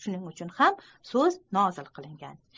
shuning uchun ham soz nozil qilingan